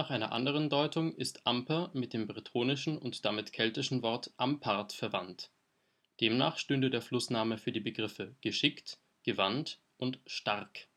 einer anderen Deutung ist Amper mit dem bretonischen und damit keltischen Wort ampart verwandt. Demnach stünde der Flussname für die Begriffe geschickt, gewandt und stark